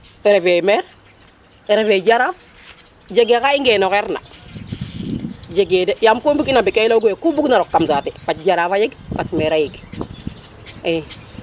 refe maire refe jaraaf jege xa i ngeno xeer na jege de yaam ku i mbug ina mbi ke i leyo gu ye ku bug na roq kam saate fat jaraafa jeg fat maire a yeg i